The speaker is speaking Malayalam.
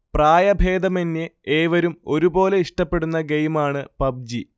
പ്രായഭേദമന്യേ ഏവരും ഒരുപോലെ ഇഷ്ടപെടുന്ന ഗെയിമാണ് പബ്ജി